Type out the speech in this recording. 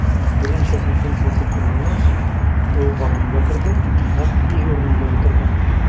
Берничә секунд басып торганнан соң, ул вагонга керде һәм үз урынына утырды.